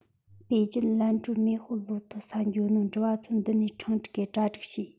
པེ ཅིན ལན ཀྲོའུ མེན ཧོ ལོ ཏུའུ ས འགྱོ ནོ འགྲུལ བ ཆོ འདི ནས འཕྲེང སྒྲིགས གས གྲ སྒྲིག བྱོས